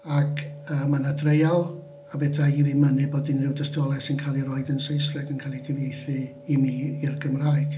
Ac yy ma' 'na dreial a fedra i ddim mynnu bod unrhyw dystoliaeth sy'n cael ei roid yn Saesneg yn cael ei gyfieithu i mi, i'r Gymraeg.